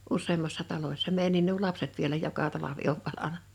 useammassa talossa meidänkin nuo lapset vielä joka talvi on valanut